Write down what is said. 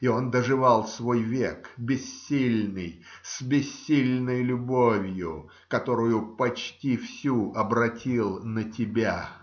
И он доживал свой век, бессильный, с бессильной любовью, которую почти всю обратил на тебя.